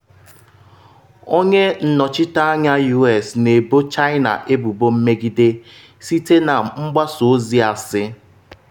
Onye nnọchite anya U.S na-ebo China Ebubo “mmegide” site na ‘mgbasa ozi asị’